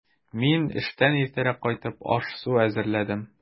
Мин, эштән иртәрәк кайтып, аш-су әзерләдем.